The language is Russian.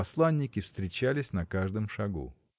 посланники встречались на каждом шагу.